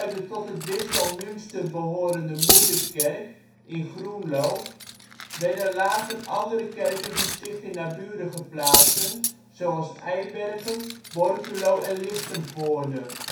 de tot het Bisdom Münster behorende moederkerk in Groenlo werden later andere kerken gesticht in naburige plaatsen zoals Eibergen, Borculo en Lichtenvoorde